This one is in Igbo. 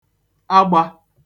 agbā